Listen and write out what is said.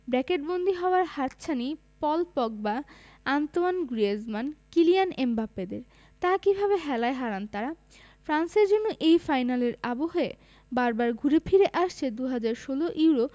ব্র্যাকেটবন্দি হওয়ার হাতছানি Paul Pogba Antoine Griezmann Kylian এমবাপ্পেদের তা কিভাবে হেলায় হারান তাঁরা ফ্রান্সের জন্য এই ফাইনালের আবহে বারবার ঘুরে ফিরে আসছে ২০১৬ ইউরো